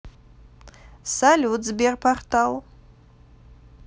салют sberportal